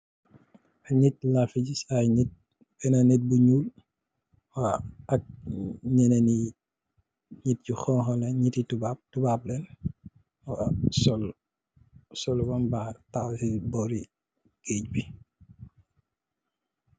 Neet lafe giss aye neet, bena neet bu njol waw ak nyenen yee neet yu hauha len neeti toubab, toubab len sul sulu bam bakhe tahaw bore geche bi.